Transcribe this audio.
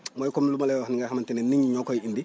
mooy comme lu ma lay wax nii nga xamante ne nit ñi ñoo koy indi